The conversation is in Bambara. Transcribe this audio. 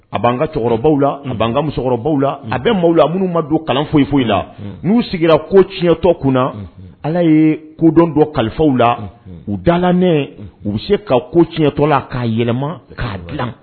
A b'an ka cɛkɔrɔbaw la a b' musokɔrɔbaw la a bɛ maaw la minnu ma don kalan foyi foyi i la n'u sigira ko tiɲɛtɔ kunna ala ye kodɔn dɔ kalifaw la u dala mɛn u bɛ se ka ko tiɲɛtɔ la k'a yɛlɛmama k'a dila